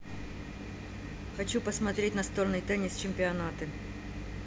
хочу посмотреть настольный теннис чемпионаты